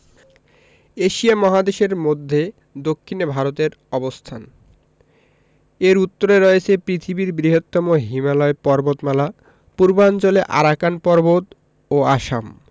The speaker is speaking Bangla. এশিয়া মহাদেশের মদ্ধ্য দক্ষিনে ভারতের অবস্থানএর উত্তরে রয়েছে পৃথিবীর বৃহত্তম হিমালয় পর্বতমালা পূর্বাঞ্চলে আরাকান পর্বত ও আসাম